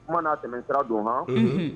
Kuma n'a tɛmɛ sira don Han, unhun